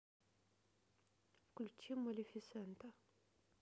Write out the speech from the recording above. включи малефисента